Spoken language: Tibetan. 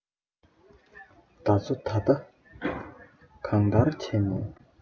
ང ཚོ ད ལྟ གང ལྟར བྱས ནས